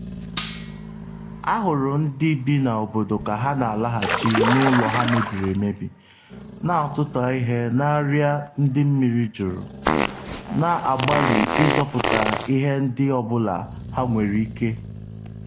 Ahụrụ ndị bi n’obodo ka ha na-alaghachi n’ụlọ ha mebiri emebi, na-atụta ihe n’arịa ndị mmiri juru, na-agbalị ịzọpụta ihe ndị ọ bụla ha nwere ike.